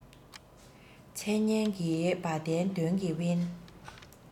མཚན སྙན གྱི བ དན དོན གྱིས དབེན